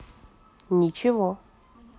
ничего